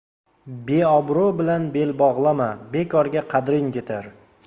beobro' bilan bel bog'lama bekorga qadring ketar